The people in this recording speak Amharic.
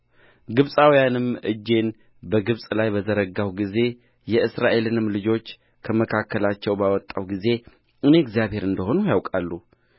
ግብፃውያንም እጄን በግብፅ ላይ በዘረጋሁ ጊዜ የእስራኤልንም ልጆች ከመካከላቸው ባወጣሁ ጊዜ እኔ እግዚአብሔር እንደ ሆነሁ ያውቃሉ